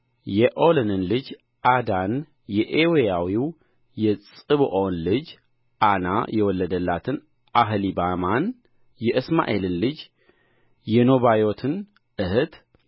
የዔሎንን ልጅ ዓዳን የኤዊያዊው የፅብዖን ልጅ ዓና የወለዳትን አህሊባማን የእስማኤልን ልጅ የነባዮትን እኅት